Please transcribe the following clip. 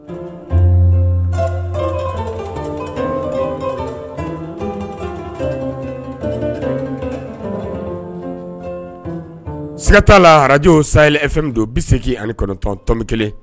Iga t'a la arajw sa ef don bɛ se ani kɔnɔntɔntɔnm kelen